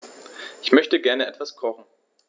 Ich möchte gerne etwas kochen.